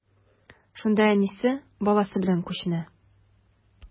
Шунда әнисе, баласы белән күченә.